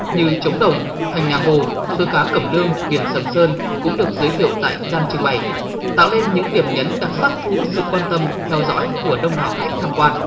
như trống đồng thành nhà hồ suối cá cẩm lương biển sầm sơn cũng được giới thiệu tại gian trưng bày tạo nên những điểm nhấn đặc sắc thu hút sự quan tâm theo dõi của đông đảo khách tham quan